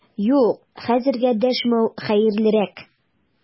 Юк, хәзергә дәшмәү хәерлерәк!